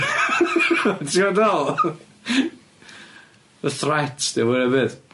Ti gwod be' dwi fe'wl? Fel threat 'di o mwy efyd.